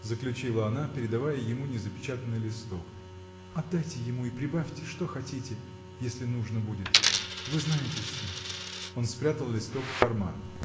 — заключила она, передавая ему незапечатанный листок, — отдайте ему и прибавьте, что хотите, если нужно будет: вы знаете всё. Он спрятал листок в карман.